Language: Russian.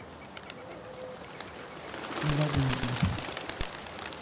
ну возможно